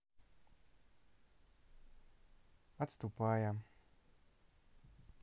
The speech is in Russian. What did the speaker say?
отступая